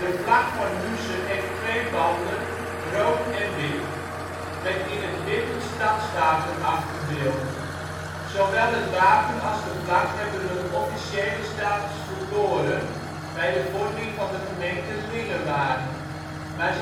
vlag van Huissen heeft twee banden, rood en wit, met in het wit het stadswapen afgebeeld. Zowel het wapen als de vlag hebben hun officiële status verloren bij de vorming van de gemeente Lingewaard, maar